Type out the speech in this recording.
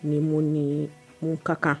Ni m ni ye mun ka kan